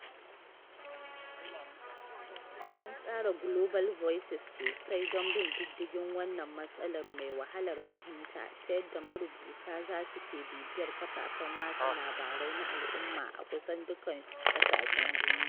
An tsara Global Voices sosai don bin diddigin wannan matsalar mai wahalar fahimta ta yadda marubuta za su ke bibiyar kafafen watsa labarai na al’umma a kusan dukan ƙasashen duniya.